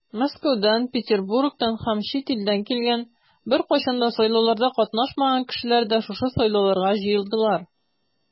Мәскәүдән, Петербургтан һәм чит илдән килгән, беркайчан да сайлауларда катнашмаган кешеләр дә шушы сайлауларга җыелдылар.